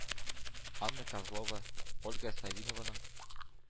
Анна Козлова, Ольга Савинованың